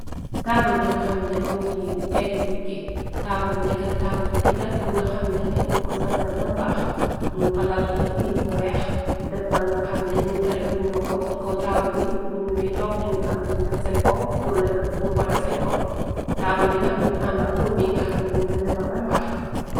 Taabul bi nga xamne mën ci peggi gij gi taabul bi nekkna taabul bi gidda bi nga xamne ñuñ ko san-sel bembaax ñuñ falal piis bu weex defal nga xamne ñiy pare pu ñuo toog ci kaw taabal bi bu ñu wey took dinañ am la ñuy tag seen kow pur lekk bi buum wada seen kow taabul bi nak m ngi àndak toog yi nga xamne ñun leen defar bembaax.